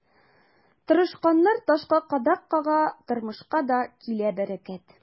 Тырышканнар ташка кадак кага, тормышка да килә бәрәкәт.